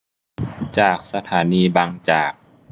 จากสถานีบางจาก